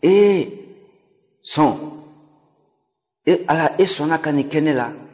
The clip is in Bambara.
ee sɔn ee ala e sɔnna ka taga ka ne to